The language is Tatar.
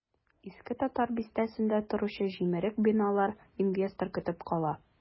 Иске татар бистәсендә торучы җимерек биналар инвестор көтеп кала.